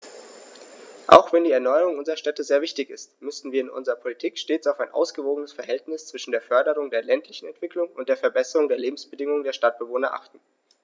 Auch wenn die Erneuerung unserer Städte sehr wichtig ist, müssen wir in unserer Politik stets auf ein ausgewogenes Verhältnis zwischen der Förderung der ländlichen Entwicklung und der Verbesserung der Lebensbedingungen der Stadtbewohner achten.